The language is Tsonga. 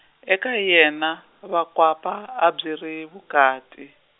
eka yena, vakwapa a byi ri vukati.